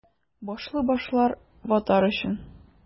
Башлы башлар — ватар өчен!